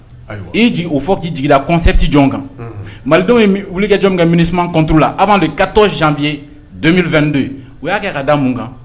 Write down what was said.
Ayiwa! I y'i jigi o fɔ k'i jigi concept jɔn kan. Unhun! Malidenw ye mi wulikajɔ min kɛ MUNISMAla contre la avant le 14 janvier 2022 o y'a kɛ k'a da mun kan?